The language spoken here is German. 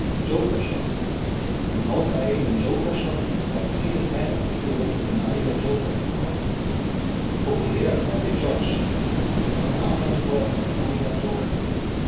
Joker Shop: Im hauseigenen Joker Shop gab es viele Fanartikel rund um den Amiga Joker zu kaufen. Populär war die Jotch, eine Armbanduhr mit Amiga-Joker-Motiv